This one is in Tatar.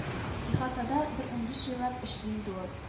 Ихатада бер унбиш еллап эшли инде ул